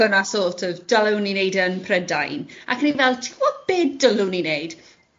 Ac o'n i sort of dylwn i wneud e yn Prydain, ac o'n i fel ti'n gwybod be dylwn i 'neud?